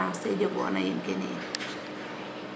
difference fe jegona yin kene yiin